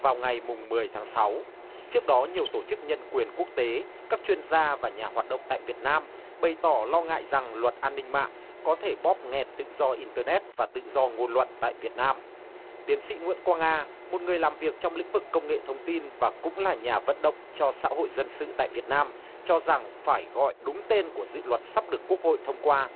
vào ngày mùng mười tháng sáu trước đó nhiều tổ chức nhân quyền quốc tế các chuyên gia và nhà hoạt động tại việt nam bày tỏ lo ngại rằng luật an ninh mạng có thể bóp nghẹt tự do in tơ nét và tự do ngôn luận tại việt nam tiến sĩ nguyễn quang nga một người làm việc trong lĩnh vực công nghệ thông tin và cũng là nhà vận động cho xã hội dân sự tại việt nam cho rằng phải gọi đúng tên của dự luật sắp được quốc hội thông qua